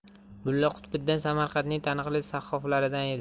mulla qutbiddin samarqandning taniqli sahhoflaridan edi